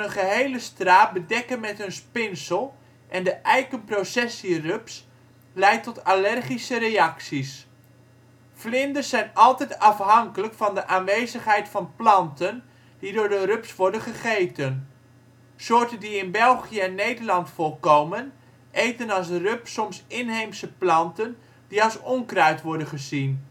gehele straat bedekken met hun spinsel en de eikenprocessierups leidt tot allergische reacties. Vlinders zijn altijd afhankelijk van de aanwezigheid van planten die door de rups worden gegeten. Soorten die in België en Nederland voorkomen eten als rups soms inheemse planten die als onkruid worden gezien